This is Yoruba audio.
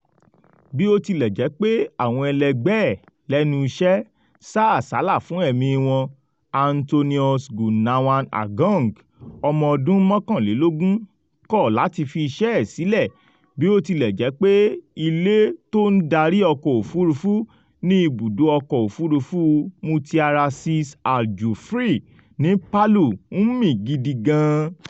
Bí ó tilẹ̀ jẹ́ pé àwọn ẹlẹgbẹ́ ẹ̀ lẹ́nu iṣẹ́ sá àsálà fún ẹ̀mí wọn, Anthonius Gunawan Agung, ọmọ ọdún oókanlélógún (21) kọ̀ láti fi iṣẹ́ ẹ̀ sílẹ̀ bí ó tilẹ̀ jẹ́ pé ilé tó ń darí ọkọ̀-òfúrufú ní ibùdó ọkọ-òfúrufú Mutiara Sis Al Jufri ní Palu ń mì gidi gan-an.